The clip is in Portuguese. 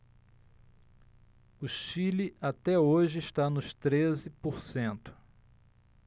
o chile até hoje está nos treze por cento